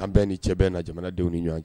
An bɛɛ ni cɛ bɛɛ na jamanadenw ni ɲɔgɔn cɛ